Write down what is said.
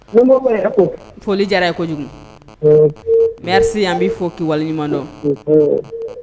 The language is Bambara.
Foli jara diyara ye kojugu mɛri yan b bɛi fɔ' waleɲumandɔn